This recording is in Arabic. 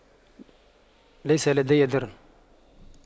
ليس لدي درن